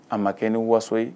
A ma kɛ ni waso ye